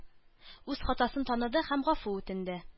Үз хатасын таныды һәм гафу үтенде.